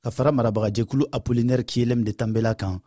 ka fara marabaajɛkulu ɲɛmaa apolinɛri kyelem de tanbela kan